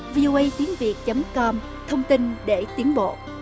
vi ô ây tiếng việt chấm com thông tin để tiến bộ